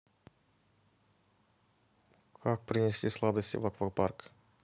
как принести сладости в аквапарк